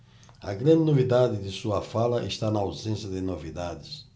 a grande novidade de sua fala está na ausência de novidades